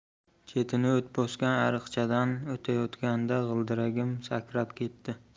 chetini o't bosgan ariqchadan o'tayotganda g'ildiragim sakrab ketdi